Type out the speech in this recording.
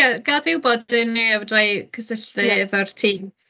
Ia gad fi wybod fedra i cysylltu... ia. ...efo'r tîm